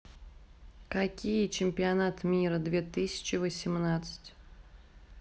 какие чемпионат мира две тысячи восемнадцать